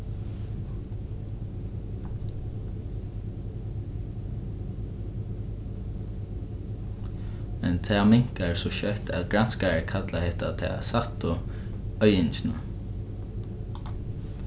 men tað minkar so skjótt at granskarar kalla hetta ta sættu oyðingina